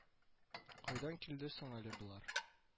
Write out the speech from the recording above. Кайдан килде соң әле болар